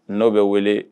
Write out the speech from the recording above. N'o bɛ wele